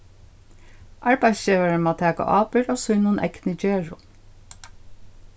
arbeiðsgevarin má taka ábyrgd av sínum egnu gerðum